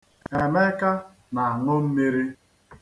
Emeka na-aṅụ mmiri.